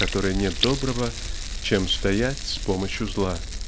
в которой нет добра чем стоять с помощью зла".